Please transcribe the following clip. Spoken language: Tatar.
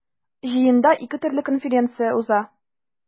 Җыенда ике төрле конференция уза.